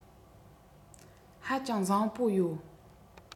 ཧ ཅང བཟང པོ ཡོད